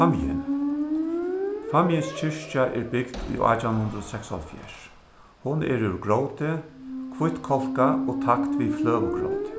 fámjin fámjins kirkja er bygd í átjan hundrað og seksoghálvfjerðs hon er úr gróti hvítkálkað og takt við fløgugróti